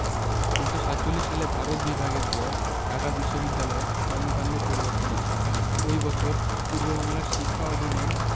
১৯৪৭ সালে ভারত বিভাগের পর ঢাকা বিশ্ববিদ্যালয়ের কর্মকান্ডে পরিবর্তন আসে ওই বছর পূর্ববাংলার শিক্ষা অর্ডিন্যান্স